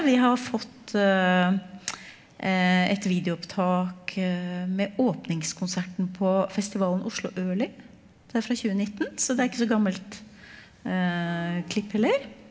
vi har fått et videoopptak med åpningskonserten på festivalen Oslo Early, det er fra 2019 så det er ikke så gammelt klipp heller.